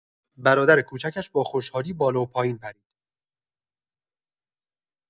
برادر کوچکش با خوشحالی بالا و پایین پرید.